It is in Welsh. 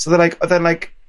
So' odd e like odd e'n like